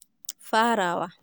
Farawa